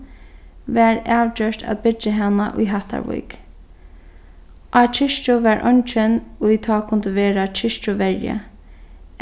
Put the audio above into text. varð avgjørt at byggja hana í hattarvík á kirkju var eingin ið tá kundi vera kirkjuverji